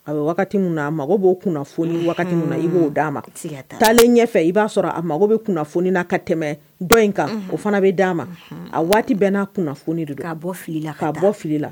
A bɛ wagati min a mago b'o kunnafonioni min bo d'a ma taalen ɲɛfɛ i b'a sɔrɔ a mago bɛ kunnafonioni na ka tɛmɛ dɔ in kan o fana bɛ da ma a waati bɛn n'a kunnafonioni de'a bɔ fili k kaa bɔ fili la